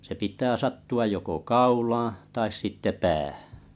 se pitää sattua joko kaulaan tai sitten päähän